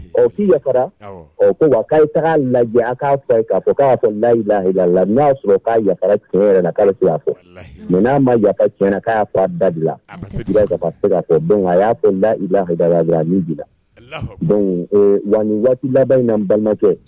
Ɔ k' yafara ɔ ko wa k'a taga'a lajɛ a k'a fa fɔ k'a layila la n'a y'a sɔrɔ k'a yafara tiɲɛ yɛrɛ' fila a fɔ munna'a ma yafa ti na k'a fa dabila a y'a ko n da i ladala la don wa waati labanyiina balimakɛ